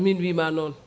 min wiima noon